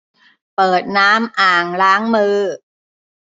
เปิดน้ำอ่างล้างมือ